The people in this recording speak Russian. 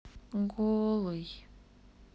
голый